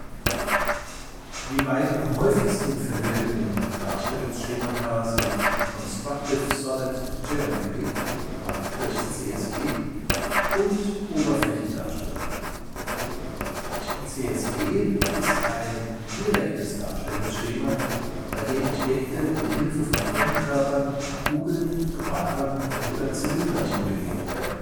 Die beiden am häufigsten verwendeten Darstellungsschemata sind Constructive Solid Geometry (CSG) und Oberflächendarstellungen. CSG ist ein direktes Darstellungsschema, bei dem Objekte mit Hilfe von Grundkörpern wie Kugeln, Quadern oder Zylindern modelliert werden